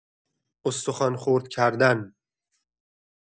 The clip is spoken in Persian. استخوان خرد کردن